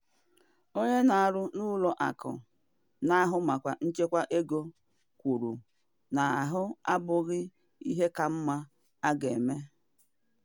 Onye na-arụ n'ụlọakụ na-ahụ maka nchekwa ego kwuru na ahụ abụghị ihe ka mma a ga-eme.